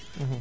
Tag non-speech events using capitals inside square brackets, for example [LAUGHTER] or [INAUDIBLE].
[HESITATION] [HESITATION]